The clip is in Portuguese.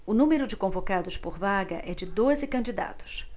o número de convocados por vaga é de doze candidatos